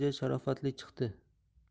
reja sharofatli chiqdi